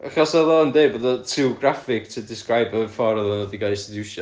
Achos oedd o'n deud bod o too graphic to describe y ffordd o'dd o 'di cael ei sediwsio.